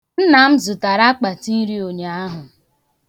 Nna zụtara akpatinri unyaahu.